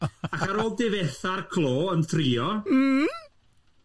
Ac ar ôl difetha'r clo wrth drio... Mhm